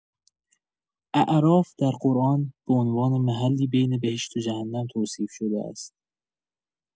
اعراف در قرآن به عنوان محلی بین بهشت و جهنم توصیف شده است.